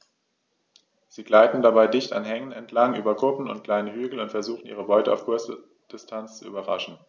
Sie gleiten dabei dicht an Hängen entlang, über Kuppen und kleine Hügel und versuchen ihre Beute auf kurze Distanz zu überraschen.